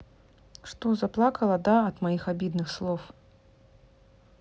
что заплакала да от моих обидных слов